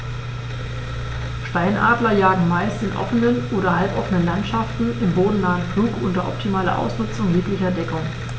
Steinadler jagen meist in offenen oder halboffenen Landschaften im bodennahen Flug unter optimaler Ausnutzung jeglicher Deckung.